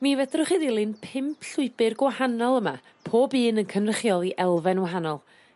Mi fedrwch chi ddilyn pump llwybyr gwahanol yma, pob un yn cynrychioli elfen wahanol